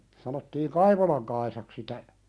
sanottiin Kaivolan Kaisaksi sitä